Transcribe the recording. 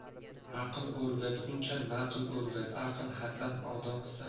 aql o'rgatguncha naql o'rgat aql hasan odob husan